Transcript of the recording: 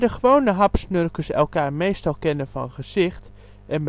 gewone hapsnurkers elkaar meestal kennen van gezicht, en